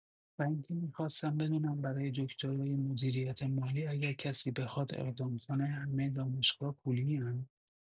و این که می‌خواستم بدونم برای دکترای مدیریت مالی اگر کسی بخواد اقدام کنه همه دانشگاه‌‌ها پولین؟